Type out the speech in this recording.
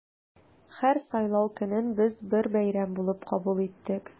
Һәр сайлау көнен без бер бәйрәм булып кабул иттек.